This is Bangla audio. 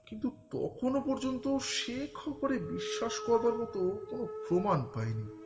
কিন্তু তখনো পর্যন্ত সে খবরে বিশ্বাস করবার মতো কোনো প্রমাণ পাইনি